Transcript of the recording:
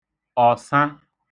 ọ̀ṡa